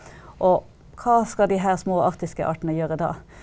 og hva skal de her små arktiske artene gjøre da?